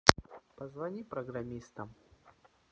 позвони программистам